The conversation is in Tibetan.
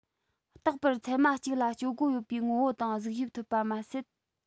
རྟག པར མཚན མ གཅིག ལ སྤྱོད སྒོ ཡོད པའི ངོ བོ དང གཟུགས དབྱིབས ཐོབ པ མ ཟད